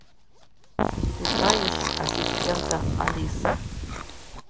ты знаешь ассистента алиса